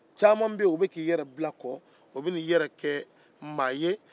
caman bɛ k'i yɛrɛ bila kɔ o bɛ na i yɛrɛ kɛ maa ye